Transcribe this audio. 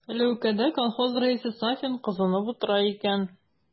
Ләүкәдә колхоз рәисе Сафин кызынып утыра икән.